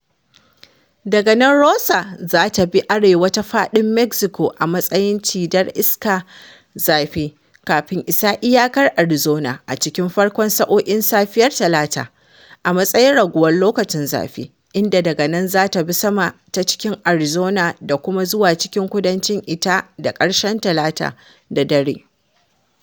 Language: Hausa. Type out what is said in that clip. Daga nan Rosa za ta bi arewa ta faɗin Mexico a matsayin cidar iskar zafi kafin isa iyakar Arizona a cikin farkon sa’o’in safiyar Talata a matsayin raguwar loƙacin zafi, inda daga nan za ta bi sama ta cikin Arizona da kuma zuwa cikin kudancin Itah da ƙarshen Talata da dare.